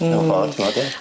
Hhm. Mewn ffor t'mod ie?